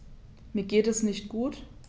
Mir geht es nicht gut.